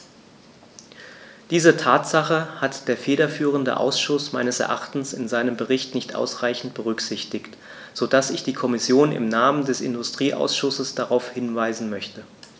Diese Tatsache hat der federführende Ausschuss meines Erachtens in seinem Bericht nicht ausreichend berücksichtigt, so dass ich die Kommission im Namen des Industrieausschusses darauf hinweisen möchte.